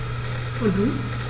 Und nun?